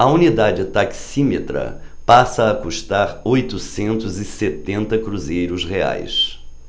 a unidade taximétrica passa a custar oitocentos e setenta cruzeiros reais